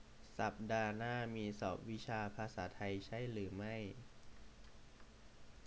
สัปดาห์หน้ามีสอบวิชาภาษาไทยใช่หรือไม่